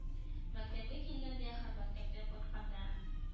Мәктәпкә килгәндә һәм мәктәптән кайтканда